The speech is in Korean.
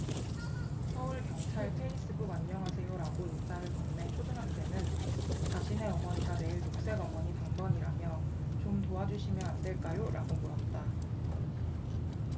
서울 경찰 페이스북안녕하세요라고 인사를 건넨 초등학생은 자신의 어머니가 내일 녹색 어머니 당번이라며 좀 도와주시면 안될까요라고 물었다